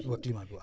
waaw climat bi waaw